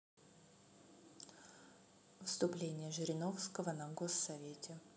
выступление жириновского на госсовете